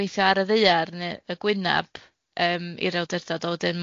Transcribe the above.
gweithio ar y ddear neu y gwynab yym i'r awdurdod, a wedyn